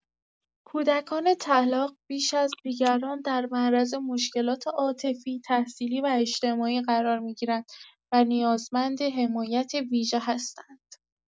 کودکان طلاق بیش از دیگران در معرض مشکلات عاطفی، تحصیلی و اجتماعی قرار می‌گیرند و نیازمند حمایت ویژه هستند.